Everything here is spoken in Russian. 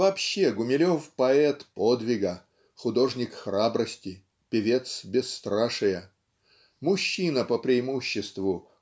Вообще, Гумилев - поэт подвига, художник храбрости, певец бесстрашия. Мужчина по преимуществу